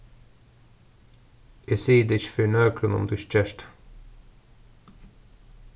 eg sigi tað ikki fyri nøkrum um tú ikki gert tað